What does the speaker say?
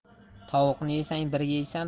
tovuqni yesang bir yeysan